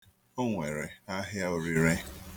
O nwere ahịa orire.